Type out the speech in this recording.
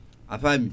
a faami